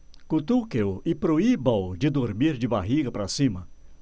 cutuque-o e proíba-o de dormir de barriga para cima